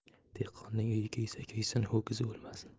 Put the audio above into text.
dehqonning uyi kuysa kuysin ho'kizi o'lmasin